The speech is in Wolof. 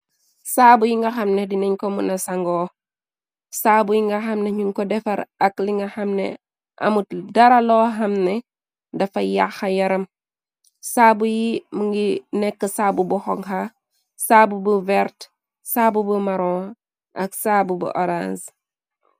Saabu yi nga xamne dinañ ko muna , saabu yi nga xamne ñuñ ko defar ak li nga xamne amut dara loo xamne dafa yaaxa yaram, saabu yi mi ngi nekk saabu bu xonxa, saabu bu verte, saabu bu maron, ak saabu bu orange.